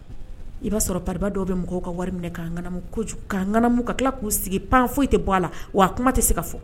I b'a sɔrɔ pa dɔw bɛ mɔgɔw ka wari minɛ kojugumu ka tila k'u sigi pan foyi tɛ bɔ a la wa a kuma tɛ se ka fɔ